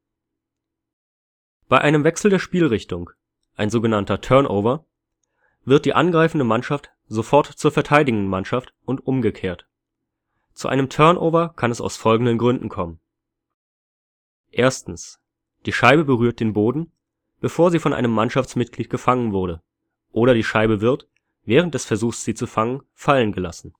Bei einem Wechsel der Spielrichtung (ein so genannter Turnover) wird die angreifende Mannschaft sofort zur verteidigenden Mannschaft und umgekehrt. Zu einem Turnover kann es aus folgenden Gründen kommen: Die Scheibe berührt den Boden, bevor sie von einem Mannschaftsmitglied gefangen wurde. Oder die Scheibe wird, während des Versuchs sie zu fangen, fallen gelassen